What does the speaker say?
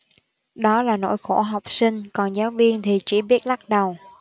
đó là nỗi khổ học sinh còn giáo viên thì chỉ biết lắc đầu